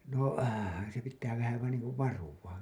no se pitää vähän vain niin kuin varuillaan